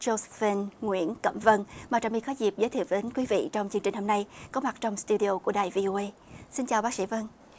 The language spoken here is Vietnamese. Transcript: chô phân nguyễn cẩm vân mà trà my có dịp giới thiệu đến quý vị trong chương trình hôm nay có mặt trong sờ tiu đi ô của đài vi âu ây xin chào bác sĩ vân